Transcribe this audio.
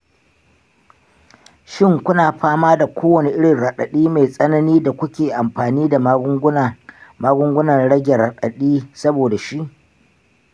shin ku na fama da kowane irin raɗaɗi mai tsanani da kuke amfani da magungunan rage raɗaɗi saboda shi?